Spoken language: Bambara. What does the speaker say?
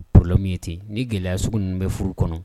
Problème ye ten ni gɛlɛya sugu ninnu bɛ furu kɔnɔ